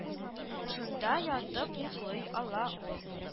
Шунда ятып йоклый ала ул